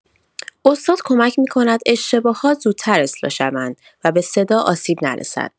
استاد کمک می‌کند اشتباهات زودتر اصلاح شوند و به صدا آسیب نرسد.